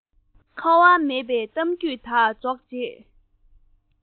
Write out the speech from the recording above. ཁ བ མེད པའི གཏམ རྒྱུད དག རྗོགས རྗེས